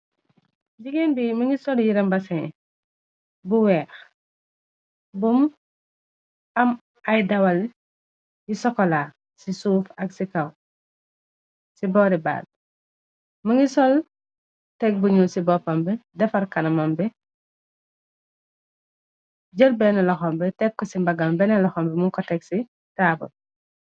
Jigéen bi më ngi sol yirambasin bu weex buom am ay dawal yi sokolaa ci suuf ak kawci boori baat më ngi sol teg buñul ci boppambi defar kanamam bi jër benn loxambi tekk ci mbagam benn loxambi mu ko teg ci taabol.